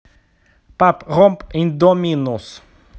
папа роб индоминус